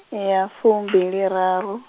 ya fumbiliraru.